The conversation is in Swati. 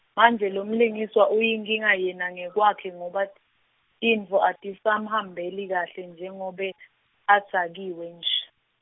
manje lomlingiswa uyinkinga yena ngekwakhe ngobe t-, tintfo atisamhambeli kahle njengobe, adzakiwe nje.